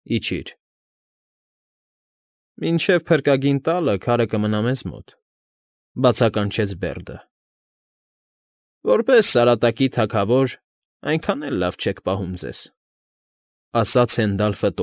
Իջիր։ ֊ Մինչև փրկագին տալը քարը կմնա մեզ մոտ…֊ բացականչեց Բերդը։ ֊ Որպես Սարատակի թագավոր այնքան էլ լավ չեք պահում ձեզ,֊ ասաց Հենդալֆը։